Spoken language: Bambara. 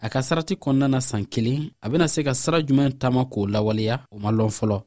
a ka sarati kɔnɔna na san kelen a bɛna se ka sira ɲuman taama k'o lawaleya o ma dɔn fɔlɔ